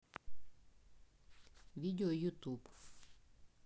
видео ютуб